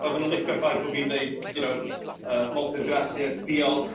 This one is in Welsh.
Oedden nhw'n licio'r ffaith bo' fi'n deud, you know yy moltes gracias, diolch.